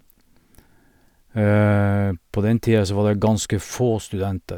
På den tida så var det ganske få studenter.